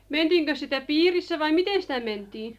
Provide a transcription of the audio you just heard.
mentiinkös sitä piirissä vai miten sitä mentiin